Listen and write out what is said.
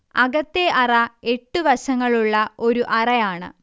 അകത്തെ അറ എട്ട് വശങ്ങളുള്ള ഒരു അറയാണ്